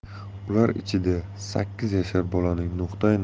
ular ichida sakkiz yashar bolaning nuqtai